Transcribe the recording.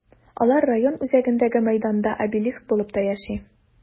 Алар район үзәгендәге мәйданда обелиск булып та яши.